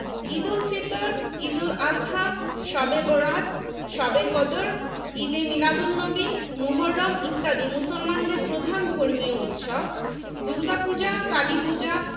ঈদুল Fitr Eidul Azha Shabe Barat Shabe Qadr Eid-e Miladunnabi Muharram ইত্যাদি মুসলমানদের প্রধান ধর্মীয় উৎসব দুর্গাপূজা কালীপূজা